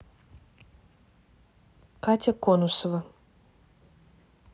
катя конусова